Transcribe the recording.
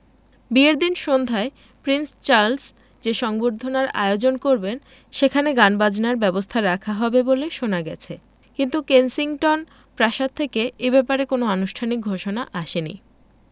বিয়ের দিন সন্ধ্যায় প্রিন্স চার্লস যে সংবর্ধনার আয়োজন করবেন সেখানে গানবাজনার ব্যবস্থা রাখা হবে বলে শোনা গেছে কিন্তু কেনসিংটন প্রাসাদ থেকে এ ব্যাপারে কোনো আনুষ্ঠানিক ঘোষণা আসেনি